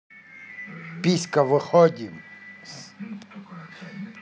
писька выходим